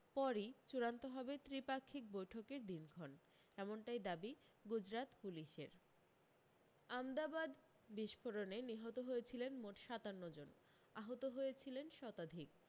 পরি চূড়ান্ত হবে ত্রিপাক্ষিক বৈঠকের দিনক্ষণ এমনটাই দাবি গুজরাত পুলিশের আমদাবাদ বিস্ফোরণে নিহত হয়েছিলেন মোট সাতান্ন জন আহত হয়েছিলেন শতাধিক